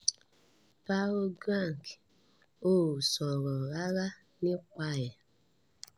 Pyongyang ‘ò sọ̀rọ̀ ràrà nípa ẹ̀.